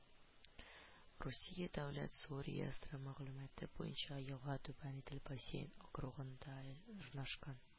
Русия дәүләт су реестры мәгълүматы буенча елга Түбән Идел бассейн округында урнашкан